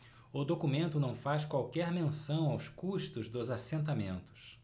o documento não faz qualquer menção aos custos dos assentamentos